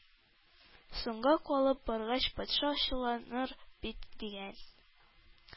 Соңга калып баргач, патша ачуланыр бит! — дигән.